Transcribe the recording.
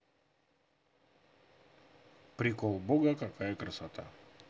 прикол бога какая красота